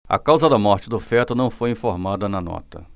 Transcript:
a causa da morte do feto não foi informada na nota